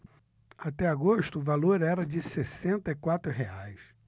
até agosto o valor era de sessenta e quatro reais